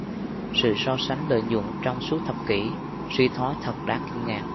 sự so sánh lợi nhuận trong suốt thập kỷ suy thoái thật đáng kinh ngạc